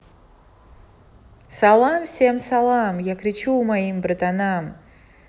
салам всем салам я кричу моим братаном